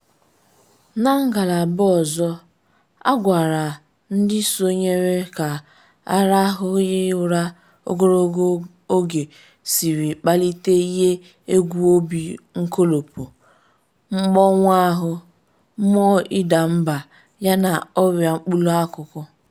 Na ngalaba ọzọ, agwara ndị sonyere ka arahụghị ụra ogologo oge siri akpalite ihe egwu obi nkolopu, mkpọnwu ahụ, mmụọ ịda mba yana oria mkpụrụ akụ.